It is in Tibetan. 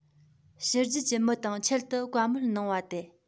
ཕྱི རྒྱལ གྱི མི དང ཆེད དུ བཀའ མོལ གནང བ སྟེ